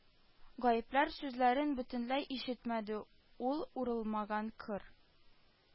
Гаепләр сүзләрен бөтенләй ишетмәде, ул урылмаган кыр